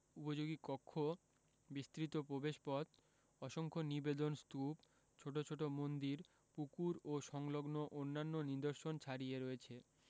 উপযোগী কক্ষ বিস্তৃত প্রবেশপথ অসংখ্য নিবেদন স্তূপ ছোট ছোট মন্দির পুকুর ও সংলগ্ন অন্যান্য নিদর্শন ছাড়িয়ে রয়েছে